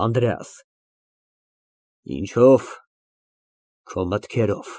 ԱՆԴՐԵԱՍ ֊ Ինչո՞վ։ Քո մտքերով։